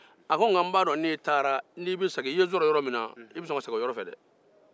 a ko n'i taara i ye ne sɔrɔ yɔrɔ min na i bɛ sɔn ka segin o yɔrɔ fɛ dɛ